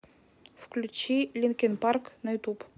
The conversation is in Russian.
включи линкин парк на ютуб